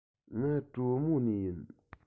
ང གྲོ མོ ནས ཡིན